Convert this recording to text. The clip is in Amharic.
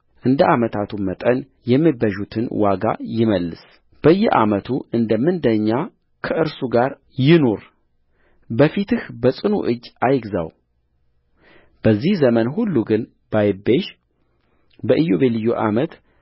እንደ ዓመታቱም መጠንየመቤዠቱን ዋጋ ይመልስበየዓመቱ እንደ ምንደኛ ከእርሱ ጋር ይኑር በፊትህ በጽኑ እጅ አይግዛውበዚህ ዘመን ሁሉ ግን ባይቤዥ በኢዮቤልዩ ዓመት